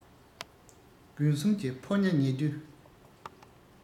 དགུན གསུམ གྱི ཕོ ཉ ཉེ དུས